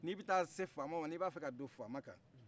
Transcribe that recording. n'i bɛ taa se fama ma n'i b'a fɛ ka don faama kan